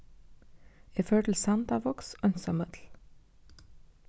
eg fór til sandavágs einsamøll